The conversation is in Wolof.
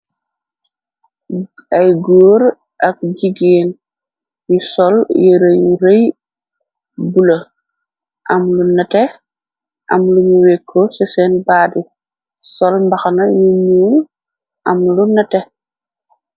Ay góor ak jigéen, yu sol yirëy rëy, bula, am lu nate, amluñu wekkoo ci seen baati, sol mbaxna yu ñuu, am lu nate.